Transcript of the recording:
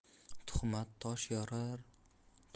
tuhmat tosh yorar